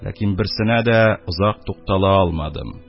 ләкин берсенә дә озак туктала алмадым...